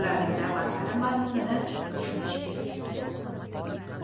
ularning da'vatlari mazmunini tushunishi kerak